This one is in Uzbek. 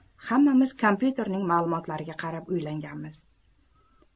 hammamiz kompyuterning ma'lumotlariga qarab uylanganmiz